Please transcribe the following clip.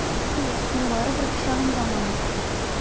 Хәер, син барыбер пычагым да аңламассың!